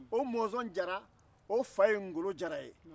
o mɔnzɔn jara o fa ye ngolo jara ye